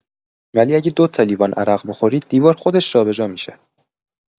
ولی اگه دوتا لیوان عرق بخورید دیوار خودش جابجا می‌شه!